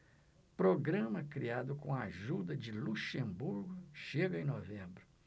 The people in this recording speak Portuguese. programa criado com a ajuda de luxemburgo chega em novembro